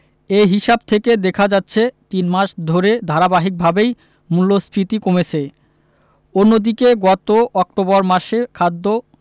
এ হিসাব থেকে দেখা যাচ্ছে তিন মাস ধরে ধারাবাহিকভাবেই মূল্যস্ফীতি কমেছে অন্যদিকে গত অক্টোবর মাসে খাদ্য